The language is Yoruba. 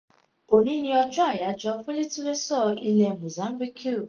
Òní ni ọjọ́ àyájọ́ fún Litiréṣọ̀ ilẹ̀ Mozambique.